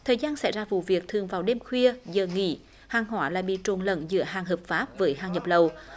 thời gian xảy ra vụ việc thường vào đêm khuya giờ nghỉ hàng hóa lại bị trộn lẫn giữa hàng hợp pháp với hàng nhập lậu